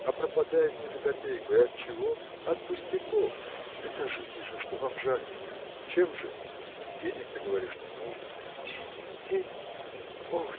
а пропадает ни за копейку – и отчего? от пустяков! – Докажите же, что вам жаль меня. – Чем же? Денег, ты говоришь, не нужно. – Денег, денег! о